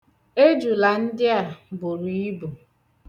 Ejula ndị a buru ibu.